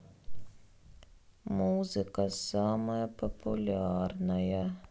музыка самая популярная